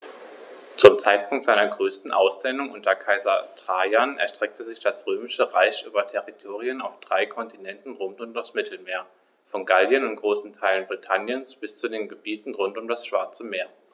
Zum Zeitpunkt seiner größten Ausdehnung unter Kaiser Trajan erstreckte sich das Römische Reich über Territorien auf drei Kontinenten rund um das Mittelmeer: Von Gallien und großen Teilen Britanniens bis zu den Gebieten rund um das Schwarze Meer.